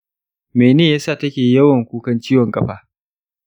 mene yasa take yawan kukan ciwon ƙafa?